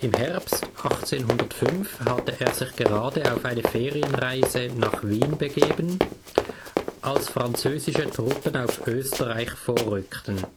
Herbst 1805 hatte er sich gerade auf eine Ferienreise nach Wien begeben, als französische Truppen auf Österreich vorrückten